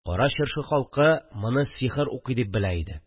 Кара Чыршы халкы моны сихер укый дип белә иде